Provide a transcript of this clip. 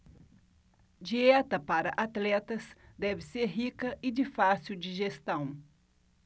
dieta para atletas deve ser rica e de fácil digestão